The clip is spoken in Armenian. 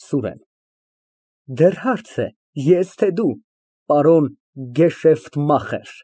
ՍՈՒՐԵՆ ֊ Դեռ հարց է, ե՞ս, թե՞ դու, պարոն Գեշեֆտմախեր։